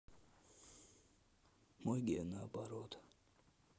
магия наоборот